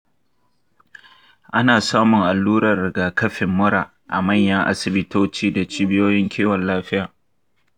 ana samun allurar rigakafin mura a manyan asibitoci da cibiyoyin kiwon lafiya.